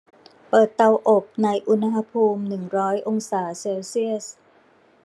เปิดเตาอบในอุณหภูมิหนึ่งร้อยองศาเซลเซียส